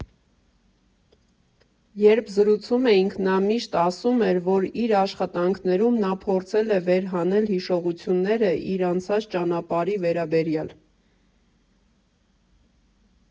Երբ զրուցում էինք, նա միշտ ասում էր, որ իր աշխատանքներում նա փորձել է վերհանել հիշողությունները իր անցած ճանապարհի վերաբերյալ։